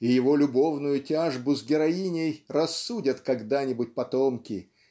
и его любовную тяжбу с героиней рассудят когда-нибудь потомки